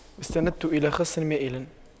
استندت إلى خصٍ مائلٍ